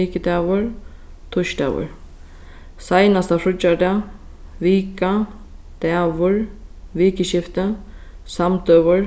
mikudagur týsdagur seinasta vika dagur vikuskifti samdøgur